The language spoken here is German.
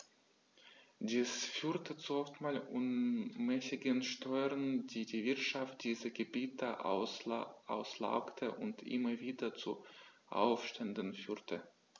Dies führte zu oftmals unmäßigen Steuern, die die Wirtschaft dieser Gebiete auslaugte und immer wieder zu Aufständen führte.